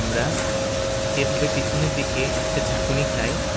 আমরা যেভাবে পেছনের দিকে একটা ঝাঁকুনি খাই